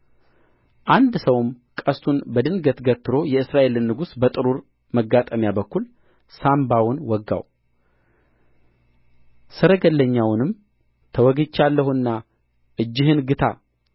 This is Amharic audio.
አንድ ሰውም ቀስቱን በድንገት ገትሮ የእስራኤልን ንጉሥ በጥሩሩ መጋጠሚያ በኩል ሳምባውን ወጋው ሰረጋለኛውንም ተወግቻለሁና እጅህን ግታ